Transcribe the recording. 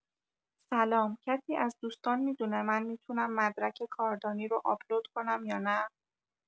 سلام، کسی از دوستان می‌دونه من می‌تونم مدرک کاردانی رو آپلود کنم یا نه؟